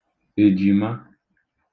èjìma